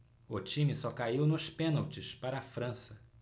o time só caiu nos pênaltis para a frança